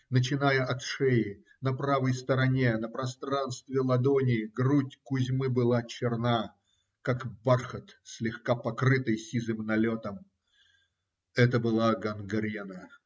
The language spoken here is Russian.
Начиная от шеи, на правой стороне, на пространстве ладони, грудь Кузьмы была черна, как бархат, слегка покрытый сизым налетом. Это была гангрена.